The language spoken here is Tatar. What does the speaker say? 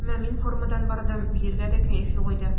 Әмма мин формадан бардым, биергә дә кәеф юк иде.